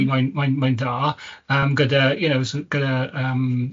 Mae'n mae'n mae'n da yym gyda-'r you know, s- gy- yym